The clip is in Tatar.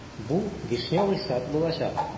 Бу "Вишневый сад" булачак.